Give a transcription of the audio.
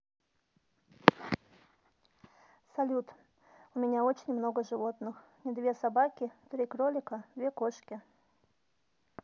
салют у меня очень много животных не две собаки три кролика две кошки